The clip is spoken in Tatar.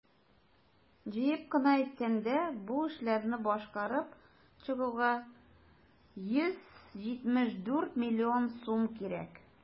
Җыеп кына әйткәндә, бу эшләрне башкарып чыгуга 174 млн сум кирәк.